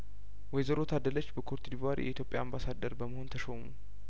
ወይዘሮ ታደለች በኮትዲቯር የኢትዮጵያ አምባሳደር በመሆን ተሾሙ